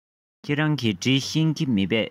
ཁྱེད རང གིས འབྲི ཤེས ཀྱི མེད པས